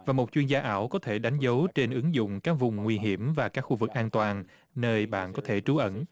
và một chuyên gia ảo có thể đánh dấu trên ứng dụng các vùng nguy hiểm và các khu vực an toàn nơi bạn có thể trú ẩn